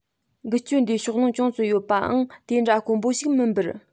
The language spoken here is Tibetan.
འགུལ སྐྱོད འདིའི ཕྱོགས ལྷུང ཅུང ཙམ ཡོད པའང དེ འདྲ དཀོན པོ ཞིག མིན པར